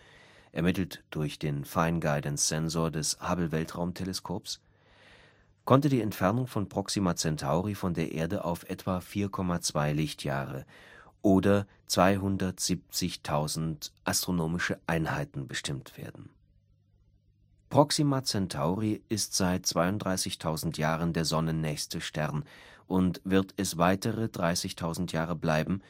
ermittelt durch den Fine Guidance Sensor des Hubble-Weltraumteleskops, konnte die Entfernung von Proxima Centauri von der Erde auf etwa 4,2 Lichtjahre (oder 270.000 AE) bestimmt werden. Proxima Centauri ist seit 32.000 Jahren der sonnennächste Stern und wird es weitere 30.000 Jahre bleiben